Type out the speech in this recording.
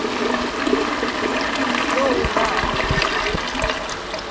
что ура